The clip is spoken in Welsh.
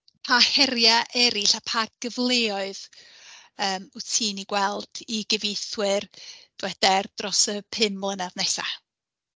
Pa heriau eraill a pa gyfleoedd yym wyt ti'n eu gweld i gyfeithwyr, dyweder, dros y pum mlynedd nesaf?